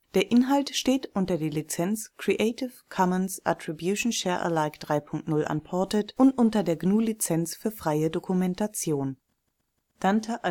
Der Inhalt steht unter der Lizenz Creative Commons Attribution Share Alike 3 Punkt 0 Unported und unter der GNU Lizenz für freie Dokumentation. Dante ist eine Weiterleitung auf diesen Artikel. Zum Fußballspieler siehe Dante Bonfim Costa Santos. Zu weiteren Bedeutungen siehe Dante (Begriffsklärung) Dante